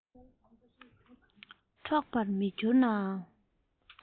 འཕྲོག པར མི འགྱུར ནའང